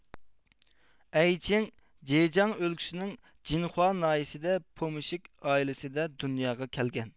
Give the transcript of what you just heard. ئەيچىڭ جېجياڭ ئۆلكىسىنىڭ جىنخۇا ناھىيىسىدە پومشىچىك ئائىلىسىدە دۇنياغا كەلگەن